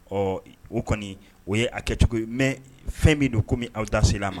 Ɔ o kɔni o ye a kɛ cogo ye mɛ fɛn bɛ don komi min aw da se ma